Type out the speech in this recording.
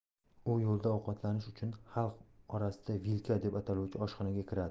u yo'lda ovqatlanish uchun xalq orasida vilka deb ataluvchi oshxonaga kiradi